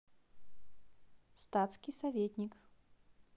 статский советник